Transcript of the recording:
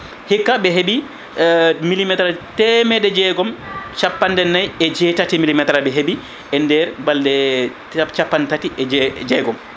hikka ɓe heeɓi millimétre aji temedde jeegom capanɗe naayi e jeetati millimétre ɓe heeɓi e nder balɗe capantati e j e jeegom